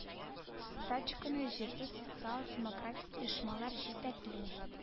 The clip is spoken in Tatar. Стачканы җирле социал-демократик оешмалар җитәкли